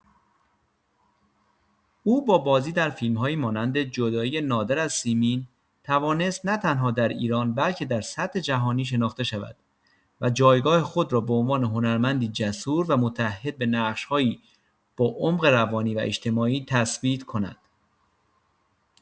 او با بازی در فیلم‌هایی مانند جدایی نادر از سیمین توانست نه‌تنها در ایران بلکه در سطح جهانی شناخته شود و جایگاه خود را به عنوان هنرمندی جسور و متعهد به نقش‌هایی با عمق روانی و اجتماعی تثبیت کند.